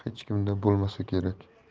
hech kimda bo'lmasa kerak